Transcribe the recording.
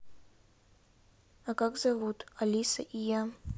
а как зовут алиса и я